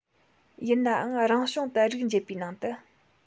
ཡིན ནའང རང བྱུང དུ རིགས འབྱེད པའི ནང དུ